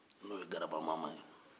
n'o ye garabamama ye